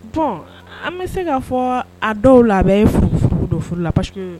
An bɛ se k ka fɔ a dɔw la furu furu don furu la pa